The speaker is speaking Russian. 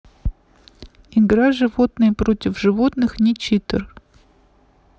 игра животные против животных не читер